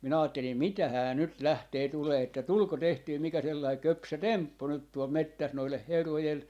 minä ajattelin mitähän nyt lähtee tulemaan että tuliko tehtyä mikä sellainen köpsö temppu nyt tuolla metsässä noiden herrojen